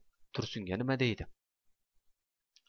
tursunga nima deydi